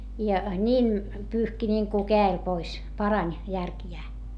ja niin pyyhki niin kuin kädellä pois parani järkiään